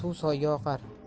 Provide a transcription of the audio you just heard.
suv soyga oqar